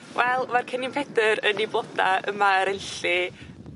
Wel ma'r cennin pedyr yn 'i bloda yma ar Enlli